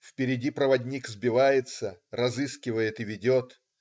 Впереди проводник сбивается, разыскивает и ведет.